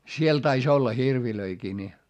siellä taisi olla hirviäkin niin